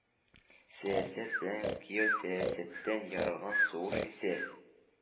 Сәясәт белән геосәясәттән яралган сугыш исә